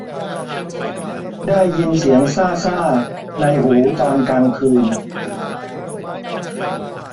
ได้ยินเสียงซ่าซ่าในหูตอนกลางคืน